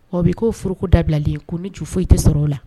Wa bɛ kooroko dabilalen ko ne ju foyi i tɛ sɔrɔ o la